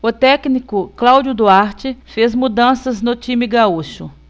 o técnico cláudio duarte fez mudanças no time gaúcho